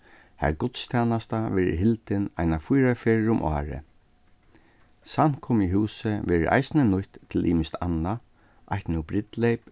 har gudstænasta verður hildin einar fýra ferðir um árið samkomuhúsið verður eisini nýtt til ymiskt annað eitt nú brúdleyp